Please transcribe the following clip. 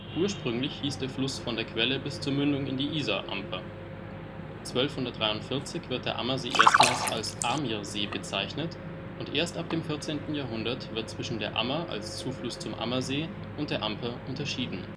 Ursprünglich hieß der Fluss von der Quelle bis zur Mündung in die Isar Amper. 1243 wird der Ammersee erstmals als Amirsee bezeichnet und erst ab dem 14. Jahrhundert wird zwischen der Ammer als Zufluss zum Ammersee und der Amper unterschieden